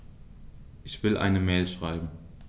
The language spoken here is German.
Ich will eine Mail schreiben.